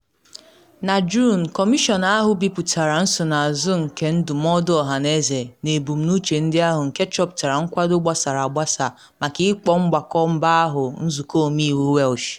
Na Juun, Kọmịshọn ahụ bipụtara nsonaazụ nke ndụmọdụ ọhaneze na ebumnuche ndị ahụ nke chọpụtara nkwado gbasara agbasa maka ịkpọ mgbakọ mba ahụ Nzụkọ Ọmeiwu Welsh.